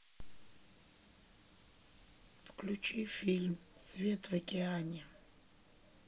включи фильм свет в океане